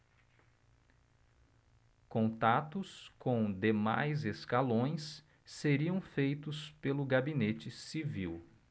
contatos com demais escalões seriam feitos pelo gabinete civil